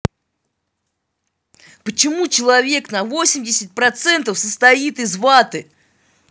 почему человек на восемьдесят процентов состоит из ваты